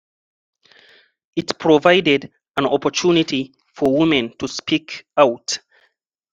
It provided an opportunity for women to speak out.